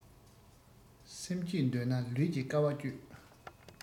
སེམས སྐྱིད འདོད ན ལུས ཀྱི དཀའ བ སྤྱོད